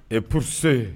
Et pour ceux